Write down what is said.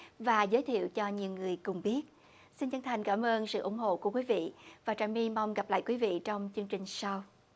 và giới thiệu cho nhiều người cùng biết xin chân thành cảm ơn sự ủng hộ của quý vị và trà my mong gặp lại quý vị trong chương trình sau